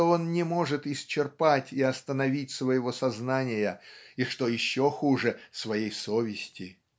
что он не может исчерпать и остановить своего сознания и что еще хуже своей совести.